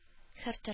Һәртөрле